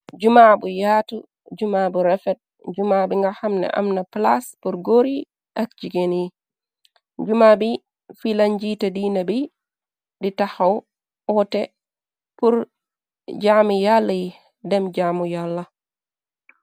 Jumaa bu yaatu jumaa bu refet jumaa bi nga hamne amna palas pur gór yi ak jigeen yi . Jumaa bi fi la njiti diina bi di tahaw oteh pur jaami yalla yi dem jaamu yalla.